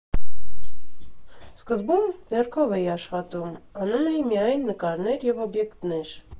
Սկզբում ձեռքով էի աշխատում՝ անում էի միայն նկարներ և օբյեկտներ։